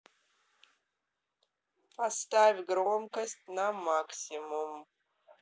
поставь громкость на максимум